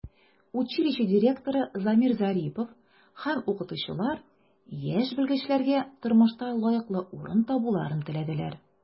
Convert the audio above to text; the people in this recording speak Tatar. Училище директоры Замир Зарипов һәм укытучылар яшь белгечләргә тормышта лаеклы урын табуларын теләделәр.